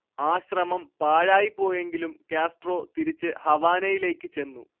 ആ ശ്രമം പാഴായിപോയെങ്കിലും കാസ്ട്രോ തിരിച്ച് ഹവാനയിലേക്ക് ചെന്നു